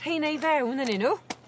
rheina i fewn ynnyn n'w?